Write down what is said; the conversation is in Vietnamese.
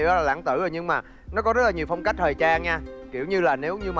là lãng tử rồi nhưng mà nó có rất nhiều phong cách thời trang nha kiểu như là nếu như là